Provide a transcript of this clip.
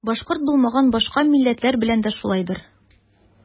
Башкорт булмаган башка милләтләр белән дә шулайдыр.